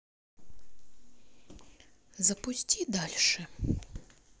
запусти дальше